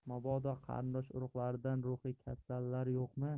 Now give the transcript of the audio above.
mabodo qarindosh urug'larida ruhiy kasallar yo'qmi